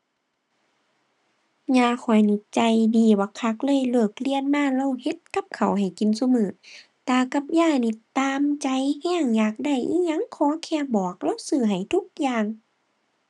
ย่าข้อยนี่ใจดีบักคักเลย เลิกเรียนมาเลาเฮ็ดกับข้าวให้กินซุมื้อ ตากับยายนี่ตามใจแรง อยากได้อิหยังขอแค่บอกเลาซื้อให้ทุกอย่าง